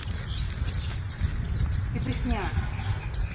ты брехня